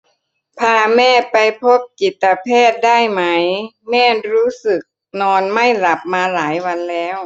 พาแม่ไปพบจิตแพทย์ได้ไหมแม่รู้สึกนอนไม่หลับมาหลายวันแล้ว